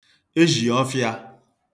ezhì ọfhị̄ā